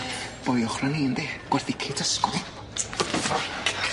Boi ochra ni yndi? Gwerthu kids ysgol.